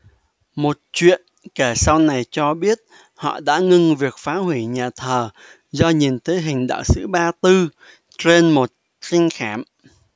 một chuyện kể sau này cho biết họ đã ngưng việc phá hủy nhà thờ do nhìn thấy hình đạo sĩ ba tư trên một tranh khảm